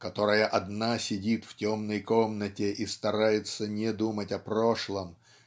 которая одна сидит в темной комнате и старается не думать о прошлом